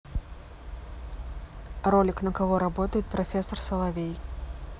ролик на кого работает профессор соловей